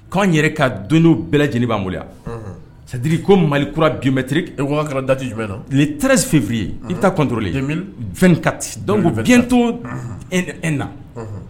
K'an yɛrɛ ka don bɛɛ lajɛlen' bolo sadi ko mali kura gbetiri tɛsi f f i ye i tali ka koto e na